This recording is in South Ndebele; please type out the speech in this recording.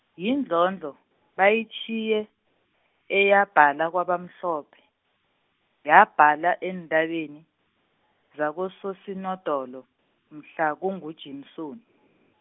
yindlondlo, bayitjhiye eyabhala kwabamhlophe, yabhala eentabeni, zakoSoSinodolo, mhla kunguJimsoni.